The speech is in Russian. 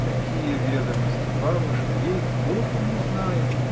— Какие ведомости, бабушка: ей-богу, не знаю.